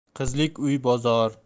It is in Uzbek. qizlik uy bozor